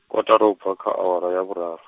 kotara ubva, kha awara ya vhuraru.